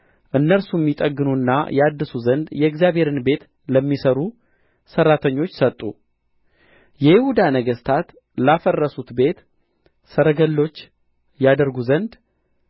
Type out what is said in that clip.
እነርሱም ይጠግኑና ያድሱ ዘንድ የእግዚአብሔርን ቤት ለሚሠሩ ሠራተኞች ሰጡ የይሁዳ ነገሥታት ላፈረሱት ቤት ሰረገሎች ያደርጉ ዘንድ